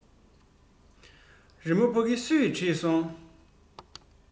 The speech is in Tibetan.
རི མོ ཕ གི སུས བྲིས སོང